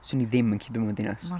'Swn i ddim yn gallu byw mewn dinas.